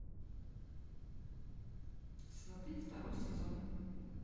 сваты второй сезон